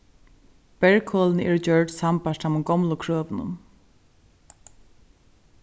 bergholini eru gjørd sambært teimum gomlu krøvunum